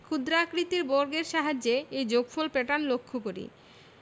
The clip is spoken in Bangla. ক্ষুদ্রাকৃতির বর্গের সাহায্যে এই যোগফল প্যাটার্ন লক্ষ করি